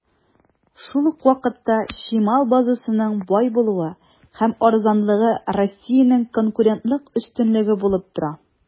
Шул ук вакытта, чимал базасының бай булуы һәм арзанлыгы Россиянең конкурентлык өстенлеге булып тора.